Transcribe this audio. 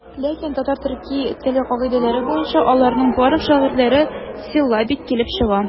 Ләкин татар-төрки теле кагыйдәләре буенча аларның барлык шигырьләре силлабик килеп чыга.